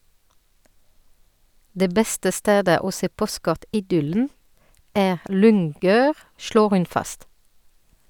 - Det beste stedet å se postkort-idyllen, er Lyngør, slår hun fast.